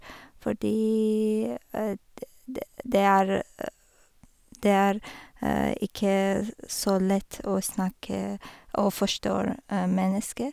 Fordi det det det er det er ikke s så lett å snakke og forstår mennesker.